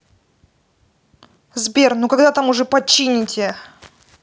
сбер ну когда там уже почините